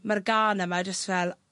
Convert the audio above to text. ma'r gân yma jyst fel